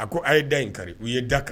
A ko' ye da in kari u ye da kari